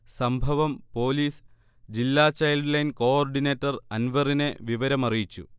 സംഭവം പോലീസ് ജില്ലാ child line coordinator അൻവറിനെ വിവരമറിയിച്ചു